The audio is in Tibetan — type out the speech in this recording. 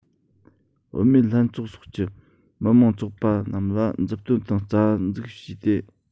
བུད མེད ལྷན ཚོགས སོགས ཀྱི མི དམངས ཚོགས པ རྣམས ལ མཛུབ སྟོན དང རྩ འཛུགས བྱས ཏེ